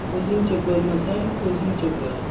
o'zingcha ko'rmasang ko'zingcha ko'r